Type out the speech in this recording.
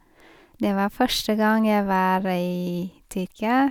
Det var første gang jeg var i Tyrkia.